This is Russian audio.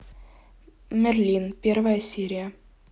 мерлин первая серия